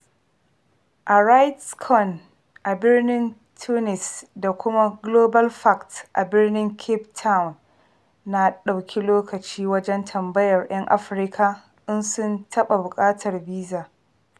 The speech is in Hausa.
A RightsCon a birnin Tunis da kuma GlobalFact a birnin Cape Town, na ɗauki lokaci wajen tambayar 'yan Afirka in sun taɓa buƙatar biza.